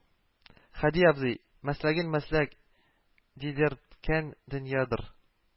Һади абзый мәсләген мәсләк дидерткән дөньядыр